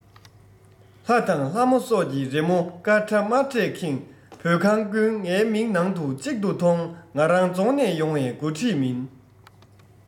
ལྷ དང ལྷ མོ སོགས ཀྱི རི མོ དཀར ཁྲ དམར ཁྲས ཁེངས བོད ཁང ཀུན ངའི མིག ནང དུ གཅིག ཏུ མཐོང ང རང རྫོང ནས ཡོང བའི མགོ ཁྲིད མིན